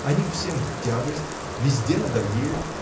Они всем в тягость, везде надоели.